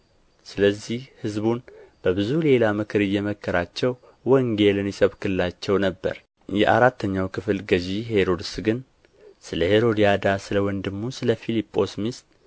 ስለዚህ ሕዝቡን በብዙ ሌላ ምክር እየመከራቸው ወንጌልን ይሰብክላቸው ነበር የአራተኛው ክፍል ገዥ ሄሮድስ ግን ስለ ሄሮድያዳ ስለ ወንድሙ ስለ ፊልጶስ ሚስትና